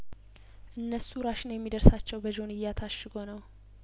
እነሱ ራሸን የሚደርሳቸው በጆንያ ታሽጐ ነው